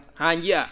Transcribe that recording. haa njiyaa